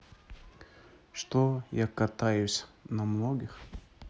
что я катаюсь на многих